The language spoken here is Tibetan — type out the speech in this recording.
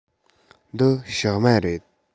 འདི ཕྱགས མ རེད